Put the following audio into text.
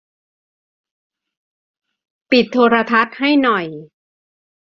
ปิดโทรทัศน์ให้หน่อย